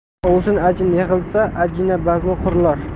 ovsin ajin yig'ilsa ajina bazmi qurilar